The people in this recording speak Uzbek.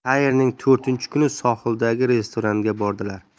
sayrning to'rtinchi kuni sohildagi restoranga bordilar